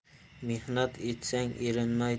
mehnat etsang erinmay